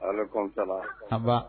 Ala kɔnsa aba